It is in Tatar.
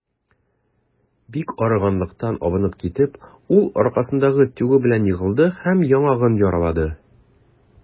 Бик арыганлыктан абынып китеп, ул аркасындагы тюгы белән егылды һәм яңагын яралады.